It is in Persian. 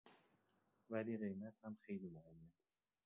ولی قیمت هم خیلی مهمه.